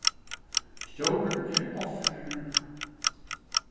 stjórin er ovfarin